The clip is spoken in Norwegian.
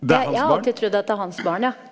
jeg jeg har alltid trudd at det er hans barn ja.